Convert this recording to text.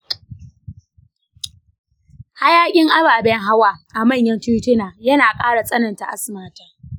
hayaƙin ababen hawa a manyan tituna yana ƙara tsananta asma ta.